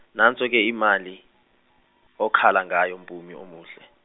nanso ke imali okhala ngayo Mpumi omuhle.